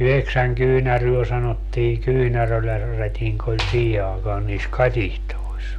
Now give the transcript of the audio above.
yhdeksän kyynärää sanottiin - kyynärärätinki oli siihen aikaan niissä katitsoissa